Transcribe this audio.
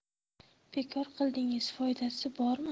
bekor qildingiz foydasi bormi